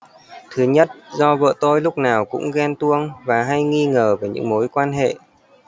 thứ nhất do vợ tôi lúc nào cũng ghen tuông và hay nghi ngờ về những mối quan hệ